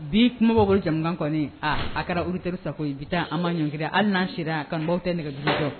Bi kumabagawkolo jamanakan kɔni a a kɛra olute sago ye bi taa an' ɲɔn kelen an n'an sera kabaw tɛ nɛgɛdugu sɔrɔ